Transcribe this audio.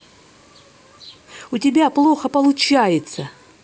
у тебя плохо получается